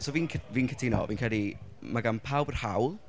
So fi'n c- fi'n cytuno. Fi'n credu mae gan pawb yr hawl.